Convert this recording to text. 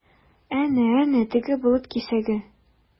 Әнә-әнә, теге болыт кисәге?